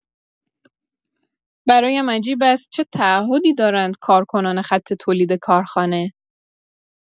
برایم عجیب است چه تعهدی دارند کارکنان خط تولید کارخانه.